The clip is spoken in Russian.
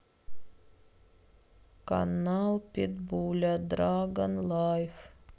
канал питбуля драгон лайф